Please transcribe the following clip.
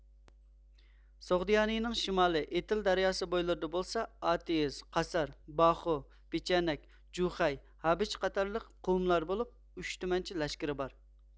سوغدىيانىنىڭ شىمالى ئېتىل دەرياسى بويلىرىدا بولسا ئاتېئىز قاسار باخۇ پېچەنەك جۇخەي ھابېچقاتارلىق قوۋملار بولۇپ ئۈچ تۈمەنچە لەشكىرى بار